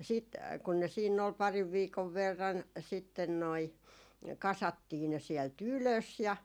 ja sitten kun ne siinä oli parin viikon verran sitten noin kasattiin ne sieltä ylös ja